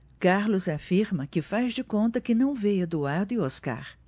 carlos afirma que faz de conta que não vê eduardo e oscar